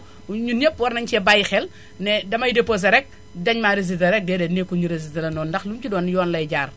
ñun népp war nañu cee bàyyi xel ne damay déposé rek dañu maa rejeté rek déedéet nekkul ñu rejeté la noonu ndax lu mu ci doon yoon lay jaar